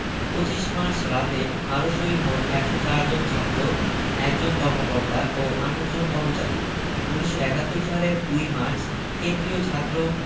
২৫ March রাতে আরো শহীদ হন ১০৪ জন ছাত্র ১ জন কর্মকর্তা ও ২৮ জন কর্মচারী ১৯৭১ সালের ২ মার্চ কেন্দ্রীয় ছাত্র